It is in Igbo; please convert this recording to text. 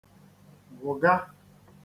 wụ̀ga